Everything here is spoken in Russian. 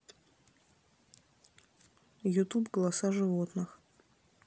ютуб голоса животных